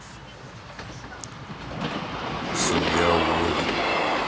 семья у оли